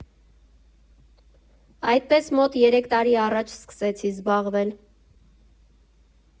Այդպես մոտ երեք տարի առաջ սկսեցի զբաղվել։